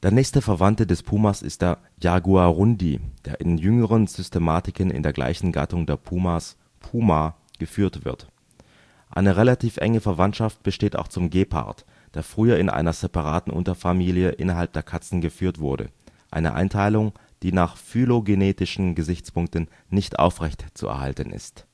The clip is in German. nächste Verwandte des Pumas ist der Jaguarundi, der in jüngeren Systematiken in der gleichen Gattung, den Pumas (Puma) geführt wird. Eine relativ enge Verwandtschaft besteht auch zum Gepard, der früher in einer separaten Unterfamilie innerhalb der Katzen geführt wurde, eine Einteilung, die nach phylogenetischen Gesichtspunkten nicht aufrecht zu erhalten ist